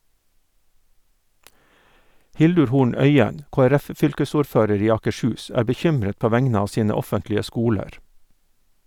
Hildur Horn Øien, KrF-fylkesordfører i Akershus, er bekymret på vegne av sine offentlige skoler.